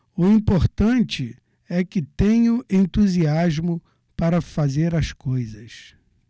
o importante é que tenho entusiasmo para fazer as coisas